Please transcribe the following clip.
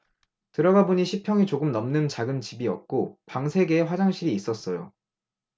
들어가보니 십 평이 조금 넘는 작은 집이었고 방 세 개에 화장실이 있었어요